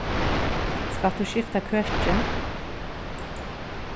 skalt tú skifta køkin